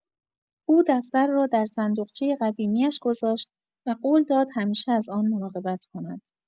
او دفتر را در صندوقچۀ قدیمی‌اش گذاشت و قول داد همیشه از آن مراقبت کند.